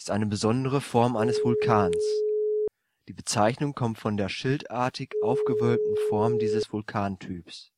eine besondere Form eines Vulkans. Die Bezeichnung kommt von der schildartig aufgewölbten Form dieses Vulkantyps